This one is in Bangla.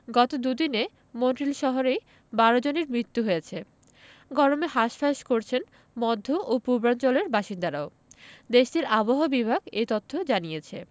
গত দুদিনে মন্ট্রিল শহরেই ১২ জনের মৃত্যু হয়েছে গরমে হাসফাঁস করছেন মধ্য ও পূর্বাঞ্চলের বাসিন্দারাও দেশটির আবহাওয়া বিভাগ এ তথ্য জানিয়েছে